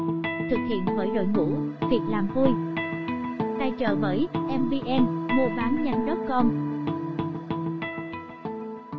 thực hiện bởi đội ngũ việc làm vui tài trợ bởi muabannhanh com